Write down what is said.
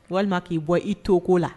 Walima k'i bɔ i toko la